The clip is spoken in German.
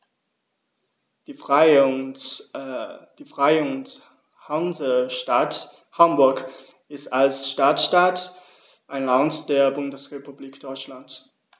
Die Freie und Hansestadt Hamburg ist als Stadtstaat ein Land der Bundesrepublik Deutschland.